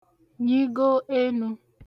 nyigo enū